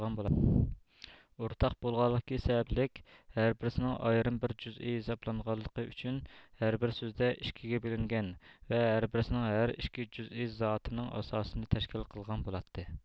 ئورتاق بولغانلىقى سەۋەبلىك ھەر بىرسىنىڭ ئايرىم بىر جۈزئىي ھېسابلانغانلىقى ئۈچۈن ھەر بىر سۆزدە ئىككىگە بۆلۈنگەن ۋە ھەر بىرسىنىڭ ھەر ئىككى جۇزئى زاتىنىڭ ئاساسىنى تەشكىل قىلغان بولاتتى